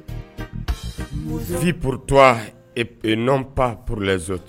Vit pour toi et pour les autres